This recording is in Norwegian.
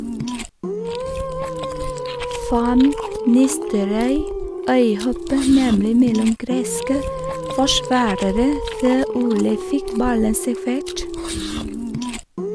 Van Nistelrooy øyhoppet nemlig mellom greske forsvarere, før Ole fikk ballen servert.